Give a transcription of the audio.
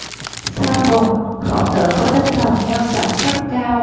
sau cùng khổng tử có tinh thần nhân bản rất cao